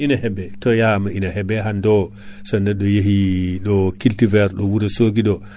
ina heeɓe to yama ina heeɓe hande o neddo yeehi ɗo cultive ɗo Wourossogui ɗo